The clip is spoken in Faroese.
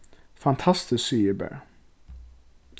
fantastiskt sigi eg bara